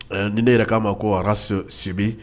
Ni ne yɛrɛ k'a ma ko a ka sibi